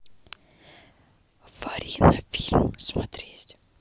фарина фильм смотреть